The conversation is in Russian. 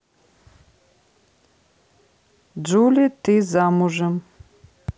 джули ты замужем